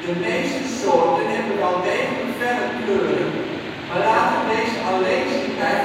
meeste soorten hebben wel degelijk felle kleuren, maar laten deze alleen zien bij